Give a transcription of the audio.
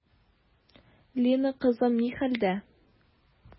Лина кызым ни хәлдә?